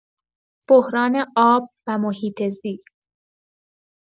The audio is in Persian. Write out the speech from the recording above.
بحران آب و محیط‌زیست